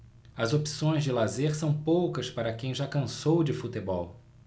as opções de lazer são poucas para quem já cansou de futebol